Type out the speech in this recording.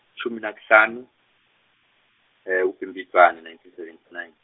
shumi nakuhlanu, uBhimbidvwane, nineteen seventy nine.